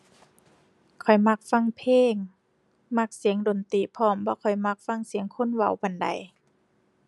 ข้อยมักฟังเพลง มักเสียงดนตรีพร้อม บ่ค่อยมักฟังเสียงคนเว้าปานใด